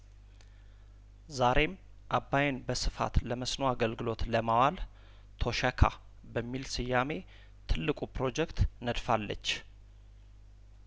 ዛሬም አባይን በስፋት ለመስኖ አገልግሎት ለማዋል ቶሸካ በሚል ስያሜ ትልቁ ፕሮጀክት ነድፋለች